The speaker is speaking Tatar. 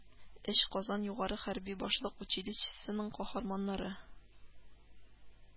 Өч казан югары хәрби башлык училищесенең каһарманнары